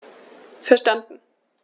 Verstanden.